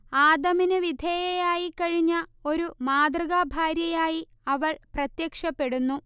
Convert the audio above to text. ആദമിനു വിധേയയായി കഴിഞ്ഞ ഒരു മാതൃകാഭാര്യയായി അവൾ പ്രത്യക്ഷപ്പെടുന്നു